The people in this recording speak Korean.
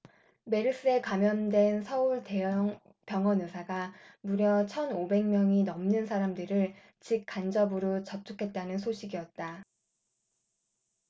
메르스에 감염된 서울 대형 병원 의사가 무려 천 오백 명이 넘는 사람들을 직 간접으로 접촉했다는 소식이었다